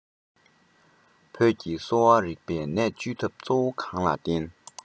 བོད ཀྱི གསོ བ རིགས པས ནད བཅོས ཐབས གཙོ བོ གང ལ བརྟེན